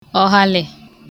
ọ̀hàlị̀